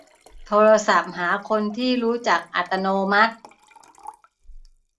โทรศัพท์หาคนที่รู้จักอัตโนมัติ